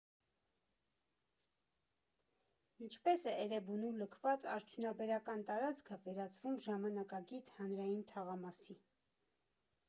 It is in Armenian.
Ինչպես է Էրեբունու լքված արդյունեբարական տարածքը վերածվում ժամանակակից հանրային թաղամասի։